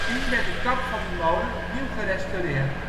In 2010 werd de kap van de molen opnieuw gerestaureerd